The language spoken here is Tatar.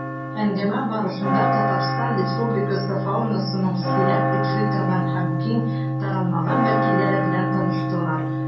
Әңгәмә барышында Татарстан Республикасы фаунасының сирәк очрый торган һәм киң таралмаган вәкилләре белән таныштылар.